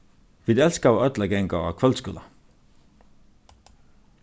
vit elskaðu øll at ganga á kvøldskúla